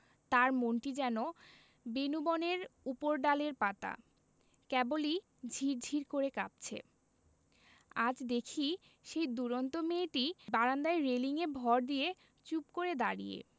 তার মনটি যেন বেনূবনের উপরডালের পাতা কেবলি ঝির ঝির করে কাঁপছে আজ দেখি সেই দূরন্ত মেয়েটি বারান্দায় রেলিঙে ভর দিয়ে চুপ করে দাঁড়িয়ে